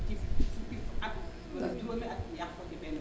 ci fukki at juróomi at ñu yàq ko ci benn